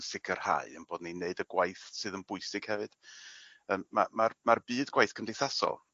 sicirhau 'yn bod ni'n neud y gwaith sydd yn bwysig hefyd. Yym ma' ma'r ma'r byd gwaith cymdeithasol